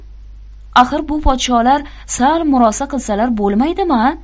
axir bu podsholar sal murosa qilsalar bo'lmaydimia